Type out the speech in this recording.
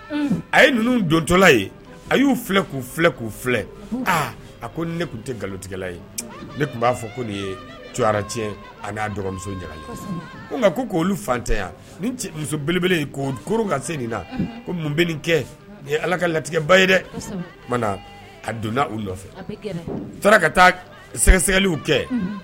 A a y'u k k'u filɛ a tun tɛ nkalonlotigɛla tun b'a fɔ komuso nka k' fatanya ni muso belebele' koro ka se nin mun kɛ ye ala ka latigɛba ye dɛ a donna u nɔfɛ taara ka taa sɛgɛsɛgɛliw kɛ